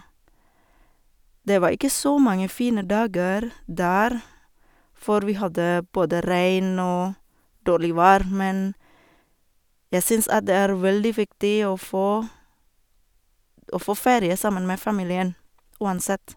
Det var ikke så mange fine dager der, for vi hadde både regn og dårlig vær, men jeg synes at det er veldig viktig å få å få ferie sammen med familien uansett.